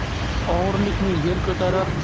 og'irlikni yer ko'tarar